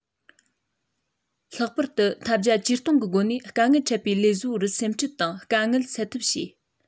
ལྷག པར དུ ཐབས བརྒྱ ཇུས སྟོང གི སྒོ ནས དཀའ ངལ འཕྲད པའི ལས བཟོ པར སེམས ཁྲལ དང དཀའ ངལ སེལ ཐབས བྱས